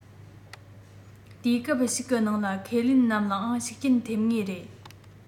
དུས སྐབས ཤིག གི ནང ལ ཁས ལེན རྣམས ལའང ཤུགས རྐྱེན ཐེབས ངེས རེད